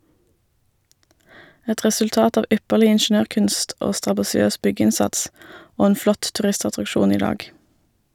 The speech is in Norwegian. Et resultat av ypperlig ingeniørkunst og strabasiøs byggeinnsats, og en flott turistattraksjon i dag.